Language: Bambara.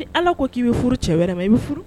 Ni Ala ko k'i be furu cɛ wɛrɛ ma i be furu